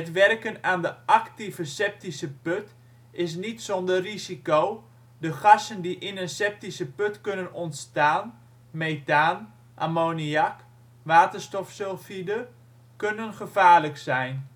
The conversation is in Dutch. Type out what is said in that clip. werken aan de actieve septische put is niet zonder risico, de gassen die in een septische put kunnen ontstaan (methaan, ammoniak, waterstofsulfide) kunnen gevaarlijk zijn